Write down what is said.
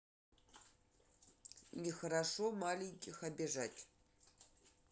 не хорошо маленьких обижать